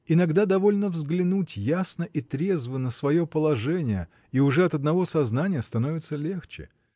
Иногда довольно взглянуть ясно и трезво на свое положение, и уже от одного сознания становится легче.